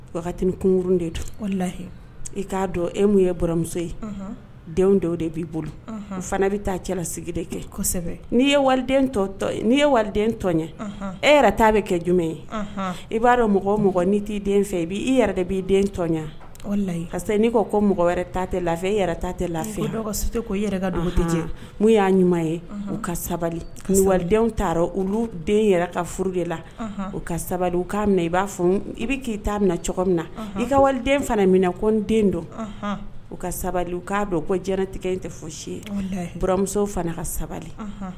Wagati kunurun de i k'a dɔn e mun yemuso ye dɔw de b'i bolo fana bɛ taa cɛla sigi de kɛ n'i ye waliden n'i ye waliden tɔ ye e yɛrɛ t' bɛ kɛ jumɛn ye i b'a dɔn mɔgɔ mɔgɔ ni t'i den fɛ i' i yɛrɛ de b'i den tɔya n'i ko mɔgɔ wɛrɛ ta tɛ lafi e yɛrɛ t tɛ lafi so tɛ ko yɛrɛ n'u y'a ɲuman ye u ka sabali ni walidenw taara olu den yɛrɛ ka furu de la u ka sabali u k'a minɛ i b'a fɔ i bɛ ki ta minɛ cogo min na i ka waliden fana min ko n den dɔ u ka sabali u k'a dɔn ko jtigɛ in tɛ fɔ simuso fana ka sabali